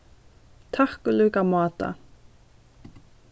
takk í líka máta